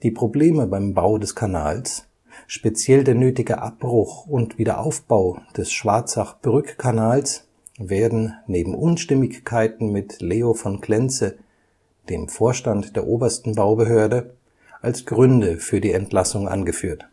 Probleme beim Bau des Kanals, speziell der nötige Abbruch und Wiederaufbau des Schwarzach-Brückkanals, werden neben Unstimmigkeiten mit Leo von Klenze, dem Vorstand der Obersten Baubehörde, als Gründe für die Entlassung angeführt